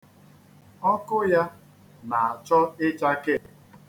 Ọkụ ya na-achọ ịchake.